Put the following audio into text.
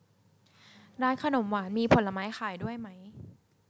ร้านขนมหวานมีผลไม้ขายด้วยไหม